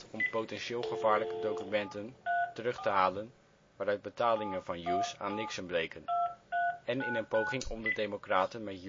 om potentieel gevaarlijke documenten terug te halen waaruit betalingen van Hughes aan Nixon bleken, en in een poging om de Democraten met